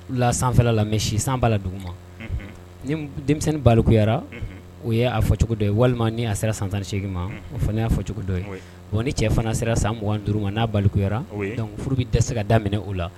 La sanfɛfɛla la mɛ si san' la dugu ma ni denmisɛnnin balikuyara o yea fɔcogo dɔ ye walima''a sera sansanse ma o fana y'a fɔcogo dɔ ye wa ni cɛ fana sera san mugan duuru n'a balikuyara dɔnkuc furu bɛ tɛ se ka daminɛ o la